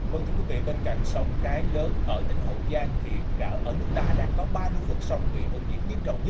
vâng thưa quý vị bên cạnh sông cái lớn ở tỉnh hậu giang thì cả ở nước ta đang có ba lưu vực sông bị ô nhiễm nghiêm trọng